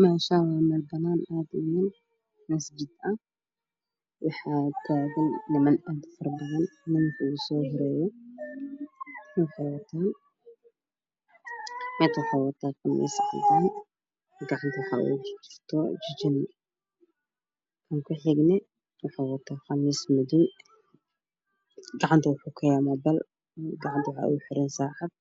Meeshaan waa meel banaan aad u wayn masjid ah waxaa taagan niman aad ufaro badan ninka usoo horeeyo wuxuu wataa mid wuxu wataa qamiis cadaan ah gacanta waxaa oogu jirto jijin kan ku xigana wuxuu wataa qamiis madow gaxanta uu ku keeno bal gacanta waxaa oogu xiran saacad